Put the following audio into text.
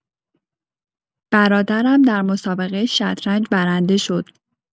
برادرم در مسابقۀ شطرنج برنده شد.